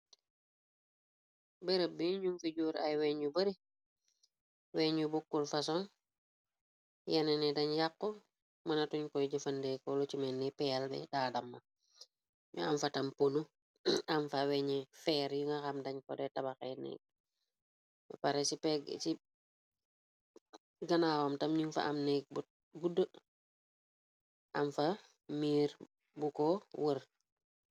Bërëb bi ñum fi jóor ay weeñ yu bare, weeñ yu bokkul fason, yenn ne dañ yàq, mëna tuñ koy jëfandeekoolu cimenni pl b, daadamm, ñu am fa tam polu, am fa weeñi feer yu nga xam dañ podo tabaxe nekk, pare ci pegg ci ganaawam tam, ñuñ fa am nekk b gudd, am fa miir bu ko wër.